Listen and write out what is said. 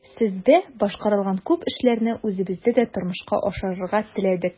Сездә башкарылган күп эшләрне үзебездә дә тормышка ашырырга теләр идек.